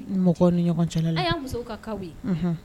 Mɔgɔ ni ɲɔgɔncɛ la a y'a muso ka ka ye